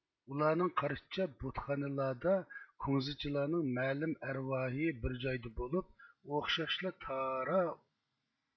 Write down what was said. ئۇلارنىڭ قارىشىچە بۇتخانىلاردا كۈڭزىچىلارنىڭ مەلۇم ئەرۋاھى بىر جايدا بولۇپ ئوخشاشلا تاۋاپ قىلىنىۋېرىدىكەن